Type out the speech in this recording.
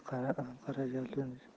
chog'langan mushukka o'xshaydi ya